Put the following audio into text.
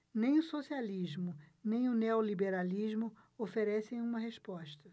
nem o socialismo nem o neoliberalismo oferecem uma resposta